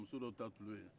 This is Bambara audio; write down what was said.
muso dɔ ta tun y'o ye